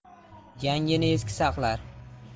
yangini eski saqlar